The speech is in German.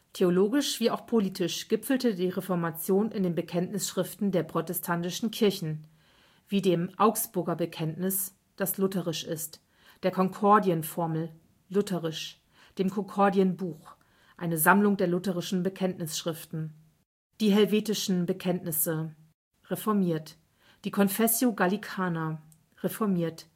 Theologisch wie auch politisch gipfelte die Reformation in den Bekenntnisschriften der protestantischen Kirchen: Augsburger Bekenntnis (lutherisch) Konkordienformel (lutherisch) Konkordienbuch (Sammlung der lutherischen Bekenntnisschriften) Helvetische Bekenntnisse (reformiert) Confessio Gallicana (reformiert